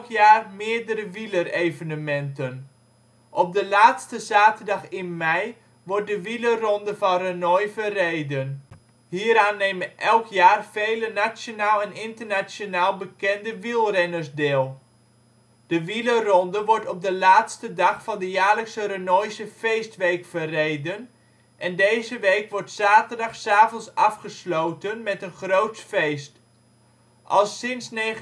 jaar meerdere wielerevenementen. Op de laatste zaterdag in mei wordt de wielerronde van Rhenoy verreden. Hieraan nemen elk jaar vele (inter) nationale bekende wielrenners deel. De Wielerronde wordt op de laatste dag van de jaarlijkse Rhenoyse feestweek verreden en deze week wordt zaterdag ' s avonds afgesloten met een groots feest. Al sinds 1994